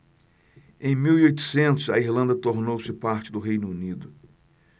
em mil e oitocentos a irlanda tornou-se parte do reino unido